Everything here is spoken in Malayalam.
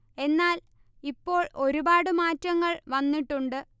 എന്നാൽ ഇപ്പോൾ ഒരുപാട് മാറ്റങ്ങൾ വന്നിട്ടുണ്ട്